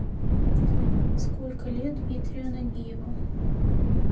сколько лет дмитрию нагиеву